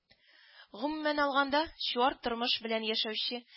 Гомумән алганда, чуар тормыш белән яшәүче